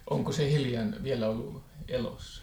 onko se hiljan vielä ollut elossa